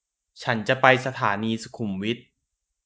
ฉันจะไปสถานีสุขุมวิท